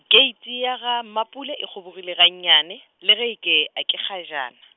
keiti ya gaMapole e kgobogile gannyane, le ge e ke a ke kgajana.